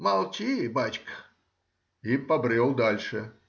Молчи, бачка, и побрел дальше.